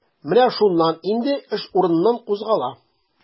Менә шуннан инде эш урыныннан кузгала.